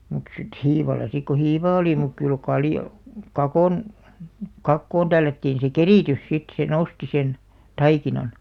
mutta sitten hiivalla sitten kun hiivaa oli mutta kyllä - kakon kakkoon tällättiin se keritys sitten se nosti sen taikinan